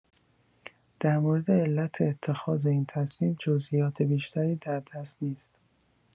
در مورد علت اتخاذ این تصمیم جزئیات بیشتری در دست نیست.